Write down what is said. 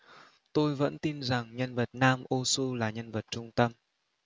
tôi vẫn tin rằng nhân vật nam oh soo là nhân vật trung tâm